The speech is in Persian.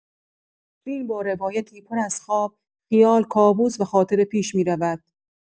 فیلم با روایتی پر از خواب، خیال، کابوس و خاطره پیش می‌رود؛